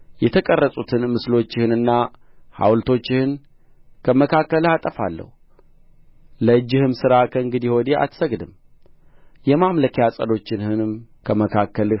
የተቀረጹትን ምስሎችህንና ሐውልቶችህን ከመካከልህ አጠፋለሁ ለእጅህም ሥራ ከእንግዲህ ወዲህ አትሰግድም የማምለኪያ ዐፀዶችህንም ከመካከልህ